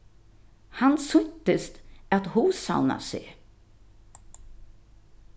hann sýntist at hugsavna seg